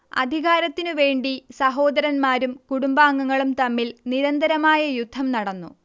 അധികാരത്തിനുവേണ്ടി സഹോദരന്മാരും കുടുംബാംഗങ്ങളും തമ്മിൽ നിരന്തരമായ യുദ്ധം നടന്നു